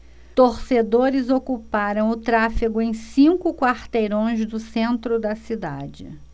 torcedores ocuparam o tráfego em cinco quarteirões do centro da cidade